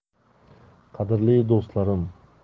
qadrli do'stlarim